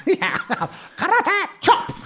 Karate chop!